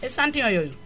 échantillon yooyu